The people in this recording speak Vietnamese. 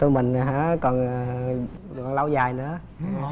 tụi mình hả còn lâu dài nữa